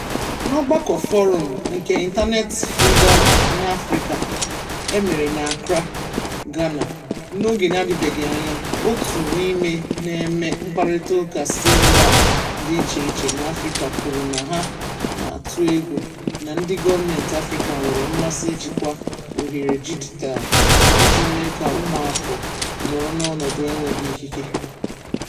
N'ọgbakọ Forum of Internet Freedom in Africa (FIFA) e mere na Accra, Ghana n'oge n'adịbeghị anya, òtù ndị na-eme mkparịtaụka si mba dị icheiche n'Afrịka kwuru na ha na-atụ egwu na ndị gọọmentị Afrịka nwere mmasị ijikwa ohere dijitalụ iji mee ka ụmụafọ nọrọ n'ọnọdụ enweghị ikike.